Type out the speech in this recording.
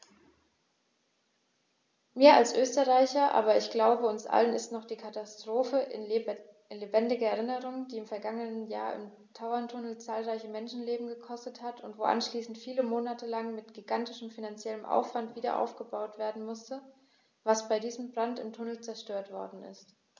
Mir als Österreicher, aber ich glaube, uns allen ist noch die Katastrophe in lebendiger Erinnerung, die im vergangenen Jahr im Tauerntunnel zahlreiche Menschenleben gekostet hat und wo anschließend viele Monate lang mit gigantischem finanziellem Aufwand wiederaufgebaut werden musste, was bei diesem Brand im Tunnel zerstört worden ist.